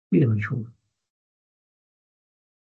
Wi ddim yn siŵr.